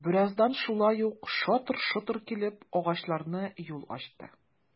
Бераздан шулай ук шатыр-шотыр килеп, агачлар юлны ачты...